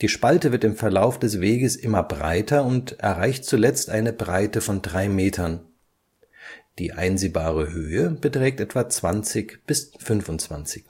Die Spalte wird im Verlauf des Weges immer breiter und erreicht zuletzt eine Breite von drei Metern. Die einsehbare Höhe beträgt etwa 20 bis 25